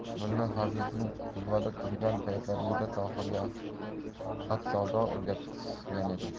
mulla fazliddin quvada turgan paytlarida tohirga xatsavod o'rgatgan edi